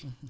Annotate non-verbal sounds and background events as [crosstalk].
[hesitation] [hesitation]